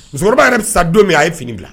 Musokɔrɔba yɛrɛ bɛ sa don min a ye fini fila